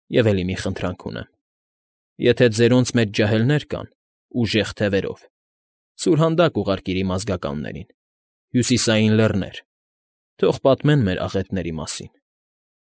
Եվ էլի մի խնդրանք ունեմ. եթե ձերոնց մեջ ջահելներ կան, ուժեղ թևերով, սուրհանդակ ուղարկիր իմ ազգականներին, հյուսիսային լեռներ, թող պատմեն մեր աղետների մասին։